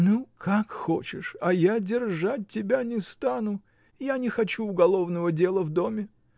— Ну, как хочешь, а я держать тебя не стану, я не хочу уголовного дела в доме.